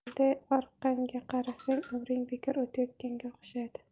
bunday orqangga qarasang umring bekor o'tayotganga o'xshaydi